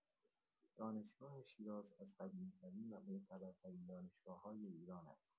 دانشگاه شیراز از قدیمی‌ترین و معتبرترین دانشگاه‌‌های ایران است.